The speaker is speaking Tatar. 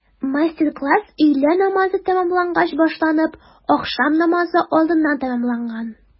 Мастер-класс өйлә намазы тәмамлангач башланып, ахшам намазы алдыннан тәмамланган.